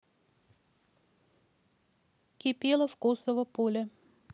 кипелов косово поле